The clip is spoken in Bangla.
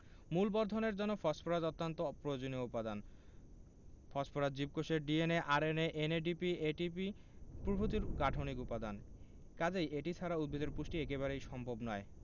মূল বর্ধনের জন্য ফসফরাস অত্যন্ত প্রয়োজনীয় উপাদান ফসফরাস জীবকোষের ডিএনএ আরএনএ এনএডিপি এটিপি প্রভৃতির গাঠনিক উপাদান কাজেই এটি ছাড়া উদ্ভিদের পুষ্টি একেবারেই সম্ভব নয়